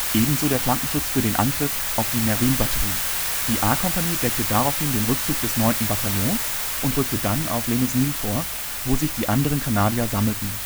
ebenso der Flankenschutz für den Angriff auf die Merville Batterie. Die A-Kompanie deckte daraufhin den Rückzug des 9. Bataillons und rückte dann auf Le Mesnil vor, wo sich die anderen Kanadier sammelten